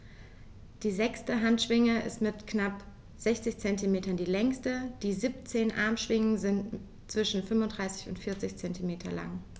Die sechste Handschwinge ist mit knapp 60 cm die längste. Die 17 Armschwingen sind zwischen 35 und 40 cm lang.